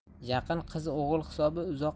yaqin qiz o'g'il hisobi